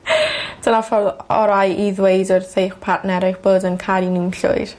Dyna'r ffordd orau i ddweud wrth eich partner eich bod yn caru nw'n llwyr.